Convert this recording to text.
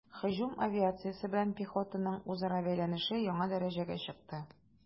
Һөҗүм авиациясе белән пехотаның үзара бәйләнеше яңа дәрәҗәгә чыкты.